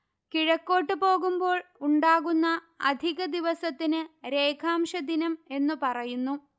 കിഴക്കോട്ടു പോകുമ്പോൾ ഉണ്ടാകുന്ന അധികദിവസത്തിന് രേഖാംശദിനം എന്നു പറയുന്നു